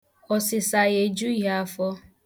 Ọsịsa ya ejughị afọ.